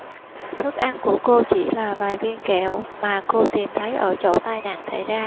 thức ăn của cô chỉ là vài viên kẹo mà cô tìm thấy ở chỗ tai nạn xảy ra